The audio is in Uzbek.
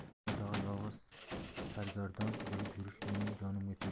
mulla tog'a yolg'iz sargardon bo'lib yurish mening jonimga tegdi